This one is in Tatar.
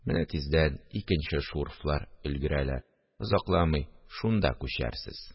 Менә тиздән икенче шурфлар өлгерәләр, озакламый шунда күчәрсез